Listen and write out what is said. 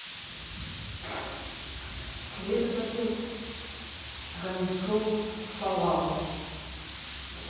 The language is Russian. sledovatel gameshow фоллаут